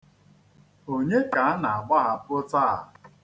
Onye ka a na-agbahapụ taa?